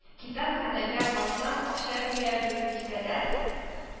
Китапханәгә барсаң акча бирәбез дисәләр